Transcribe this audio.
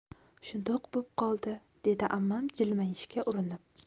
shundoq bo'p qoldi dedi ammam jilmayishga urinib